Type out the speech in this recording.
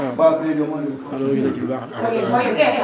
waaw alors lii ji bu baax la